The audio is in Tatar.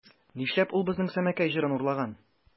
Нишләп ул безнең Сәмәкәй җырын урлаган?